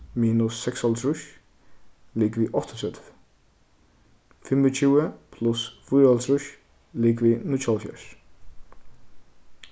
minus seksoghálvtrýss ligvið áttaogtretivu fimmogtjúgu pluss fýraoghálvtrýss ligvið níggjuoghálvfjerðs